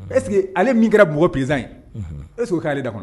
Ɛseke ale min kɛra b p pezsan ye e' aleale da kɔnɔ